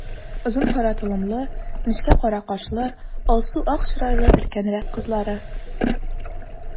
Озын кара толымлы, нечкә кара кашлы, алсу-ак чырайлы өлкәнрәк кызлары.